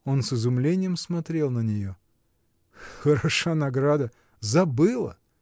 Он с изумлением смотрел на нее. — Хороша награда: забыла!